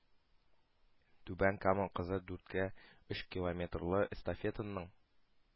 Түбән Кама кызы дүрткә өч километрлы эстафетаның